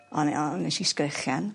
O'n i on' nesh i sgrechian.